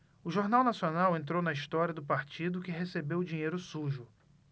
o jornal nacional entrou na história do partido que recebeu dinheiro sujo